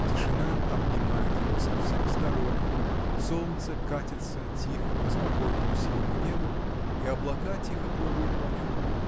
тишина обнимает его со всех сторон, солнце катится тихо по спокойному синему небу, и облака тихо плывут по нем